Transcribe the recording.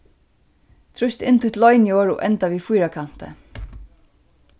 trýst inn títt loyniorð og enda við fýrakanti